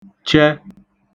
chẹ